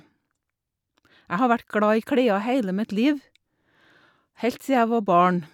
Jeg har vært glad i klær heile mitt liv, heilt sia jeg var barn.